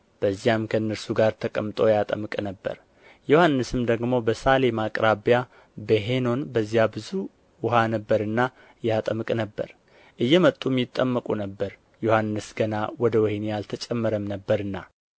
በዚያም ከእነርሱ ጋር ተቀምጦ ያጠምቅ ነበር ዮሐንስም ደግሞ በሳሌም አቅራቢያ በሄኖን በዚያ ብዙ ውኃ ነበርና ያጠምቅ ነበር እየመጡም ይጠመቁ ነበር ዮሐንስ ገና ወደ ወኅኒ አልተጨመረም ነበርና